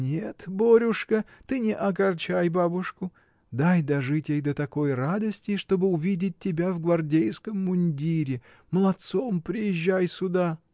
— Нет, Борюшка, ты не огорчай бабушку: дай дожить ей до такой радости, чтоб увидеть тебя в гвардейском мундире: молодцом приезжай сюда.